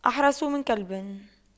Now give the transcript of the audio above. أحرس من كلب